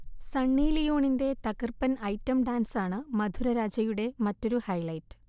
സണ്ണി ലിയോണിൻറെ തകർപ്പൻ ഐറ്റം ഡാൻസാണ് മധുരരാജയുടെ മറ്റൊരു ഹൈലൈറ്റ്